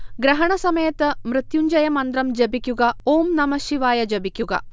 ഗ്രഹണ സമയത്ത് മൃത്യുഞ്ജയ മന്ത്രം ജപിക്കുക, ഓം നമഃശിവായ ജപിക്കുക